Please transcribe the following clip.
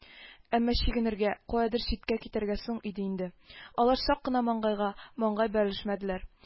Әмма чигенергә, каядыр читкә китәргә соң иде инде, алар чак кына маңгайга маңгай бәрелешмәделәр